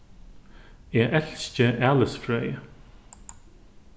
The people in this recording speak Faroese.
eg elski alisfrøði